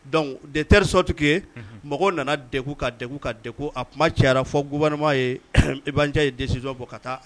Donc de telle sorte que mɔgɔw nana degun ka degun ka degun a kuma cayara fo gouvernement yee Iba N'diaye ye décision bɔ ka taa